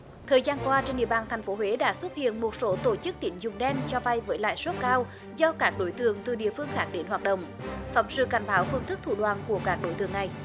thời gian qua trên địa bàn thành phố huế đã xuất hiện một số tổ chức tín dụng đen cho vay với lãi suất cao do các đối tượng từ địa phương khác đến hoạt động phóng sự cảnh báo phương thức thủ đoạn của các đối tượng này